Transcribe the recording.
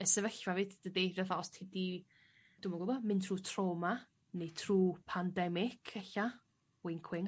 y sefyllfa 'fyd dydi? Deutha os ti 'di dwi'm yn gwbo mynd trw trawma neu trw pandemic ella. Winc winc.